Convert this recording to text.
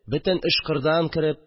Бөтен эш кырдан кереп